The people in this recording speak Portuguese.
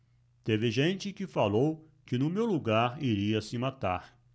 teve gente que falou que no meu lugar iria se matar